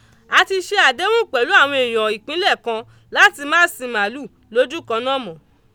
A ti ṣe àdéhùn pẹ̀lú àwọn èèyàn ìpínlẹ̀ kan láti má sin màlúù lójú kan náà mọ́.